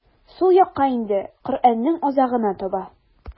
Сул якка инде, Коръәннең азагына таба.